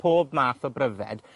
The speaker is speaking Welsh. Pob math o bryfed.